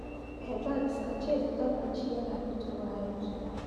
Evans: "Ka ce, da tabbaci yana fitowa yanzu!"